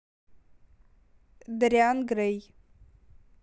дориан грей